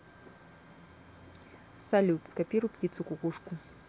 салют скопируй птицу кукушку